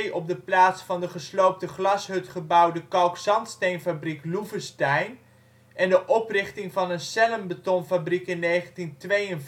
op de plaats van de gesloopte glashut gebouwde kalkzandsteenfabriek Loevestein en de oprichting van een cellenbetonfabriek in 1952